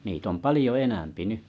niitä on paljon enempi nyt